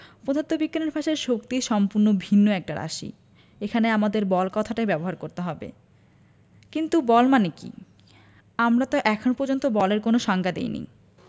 পদার্থবিজ্ঞানের ভাষায় শক্তি সম্পূর্ণ ভিন্ন একটা রাশি এখানে আমাদের বল কথাটাই ব্যবহার করতে হবে কিন্তু বল মানে কী আমরা তো এখন পর্যন্ত বলের কোনো সংজ্ঞা দিইনি